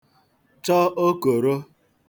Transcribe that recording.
chọ okòro